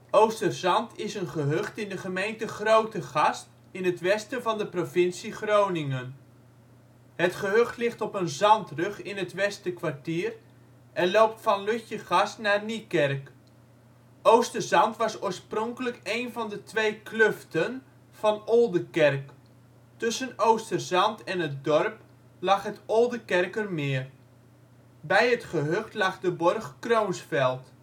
Oosterzand is een gehucht in de gemeente Grootegast in het westen van de provincie Groningen. Het gehucht ligt op een zandrug in het Westerkwartier die loopt van Lutjegast naar Niekerk. Oosterzand was oorspronkelijk een van de twee kluften van Oldekerk. Tussen Oosterzand en het dorp lag het Oldekerker meer. Bij het gehucht lag de borg Kroonsfeld